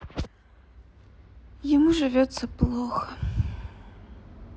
ему живется плохо